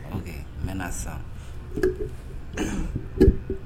N kɛ, n bɛ sisan